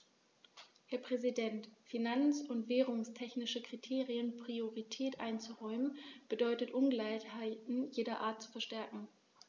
Herr Präsident, finanz- und währungstechnischen Kriterien Priorität einzuräumen, bedeutet Ungleichheiten jeder Art zu verstärken.